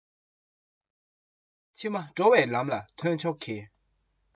ནོར གྱི རྟ ལ འགྲོ བའི བང འགྲོས སློབས